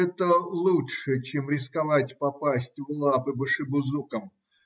Это лучше, чем рисковать попасть в лапы башибузукам.